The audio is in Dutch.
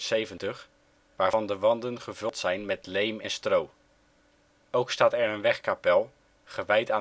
1870 waarvan de wanden gevuld zijn met leem en stro. Ook staat er wegkapel gewijd